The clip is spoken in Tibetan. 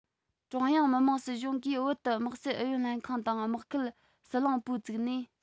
ཀྲུང དབྱང མི དམངས སྲིད གཞུང གིས བོད དུ དམག སྲིད ཨུ ཡོན ལྷན ཁང དང དམག ཁུལ སི ལིང པུའུ བཙུགས ནས